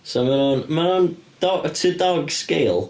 So maen nhw'n, maen nhw'n d- to dog scale.